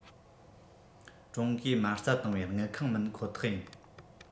ཀྲུང གོས མ རྩ བཏང བའི དངུལ ཁང མིན ཁོ ཐག ཡིན